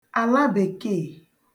àla bèkeè